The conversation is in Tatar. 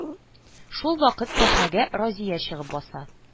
Шул вакыт сәхнәгә Разия чыгып баса